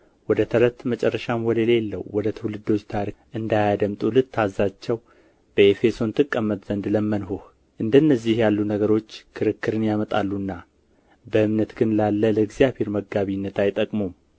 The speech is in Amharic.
ወደ ተረት መጨረሻም ወደሌለው ወደ ትውልዶች ታሪክ እንዳያደምጡ ልታዛቸው በኤፌሶን ትቀመጥ ዘንድ ለመንሁህ እንደ እነዚህ ያሉ ነገሮች ክርክርን ያመጣሉና በእምነት ግን ላለ ለእግዚአብሔር መጋቢነት አይጠቅሙም